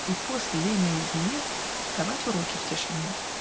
И после ей наедине Давать уроки в тишине!